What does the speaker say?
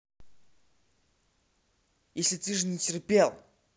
если ты же не терпел